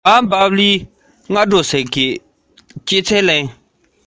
བའི འོ མ ཡིན པས ངས རའི